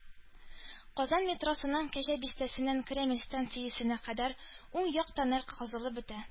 Казан метросының “Кәҗә бистәсе”ннән “Кремль” станциясенә кадәр уң як тоннель казылып бетә